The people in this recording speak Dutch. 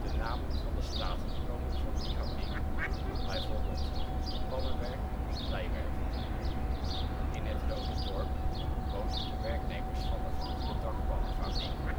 namen van de straten komen van die fabriek, bijvoorbeeld Pannenwerk en Kleiwerf. In het Rode dorp woonden de werknemers van de vroegere dakpannenfabriek